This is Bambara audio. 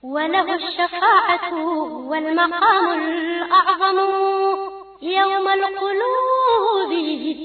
Wabugu wa ɲa